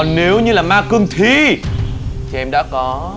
còn nếu như là ma cương thi thì em đã có